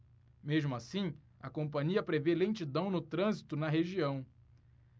mesmo assim a companhia prevê lentidão no trânsito na região